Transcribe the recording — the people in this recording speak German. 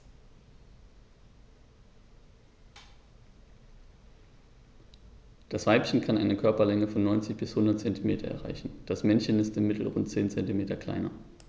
Das Weibchen kann eine Körperlänge von 90-100 cm erreichen; das Männchen ist im Mittel rund 10 cm kleiner.